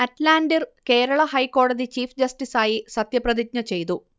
അറ്റ്ലാന്റിർ കേരള ഹൈക്കോടതി ചീഫ് ജസ്റ്റിസായി സത്യപ്രതിജ്ഞ ചെയ്തു